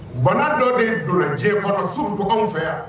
Bana dɔ de donna dIɲɛ kɔnɔ surtout anw fɛ yan